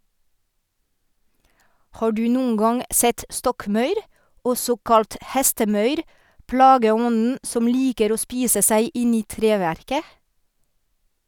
Har du noen gang sett stokkmaur, også kalt hestemaur, plageånden som liker å spise seg inn i treverket?